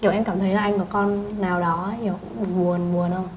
kiểu em cảm thấy là anh có con nào đó kiểu cũng buồn buồn không